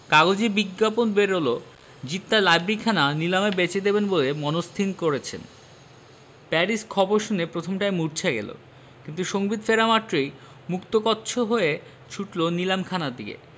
কাগজে বিজ্ঞাপন বেরল জিদ তাঁর লাইব্রেরিখানা নিলামে বেচে দেবেন বলে মনস্থির করেছেন প্যারিস খবর শুনে প্রথমটায় মুর্ছা গেল কিন্তু সম্বিত ফেরা মাত্রই মুক্তকচ্ছ হয়ে ছুটল নিলাম খানার দিকে